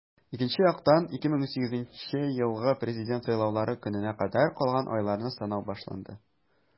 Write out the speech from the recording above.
Икенче яктан - 2018 елгы Президент сайлаулары көненә кадәр калган айларны санау башланды.